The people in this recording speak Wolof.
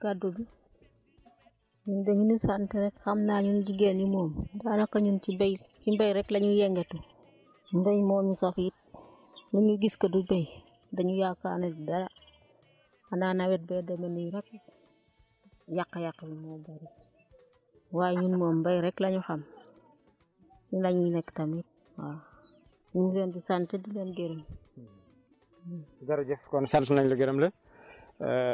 waaw Aliou Sow ñu delluwaat si kàddu gi ñun de ñu ngi sant xam naa jigéen ñi moom daanaka ñu ngi ci béy ci mbéy rek la ñuy yëngatu mbéy moo ñu saf it ñun ñu gis ko du tee dañuy yaakaar ne dara xanaa nawet bee demee nii rek yàq-yàq yi moo bëriwaaye ñun moom mbéy rek la ñu xam si la ñu nekk tamit waaw ñu ngi leen di sant di leen gërëm